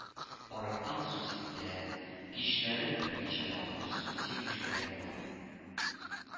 Арыктан су сиптерә, кичләрен берничә тапкыр су сибүчеләр дә бар